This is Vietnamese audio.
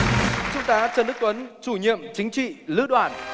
trung tá trần đức tuấn chủ nhiệm chính trị lữ đoàn